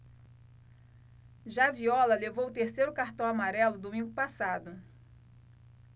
já viola levou o terceiro cartão amarelo domingo passado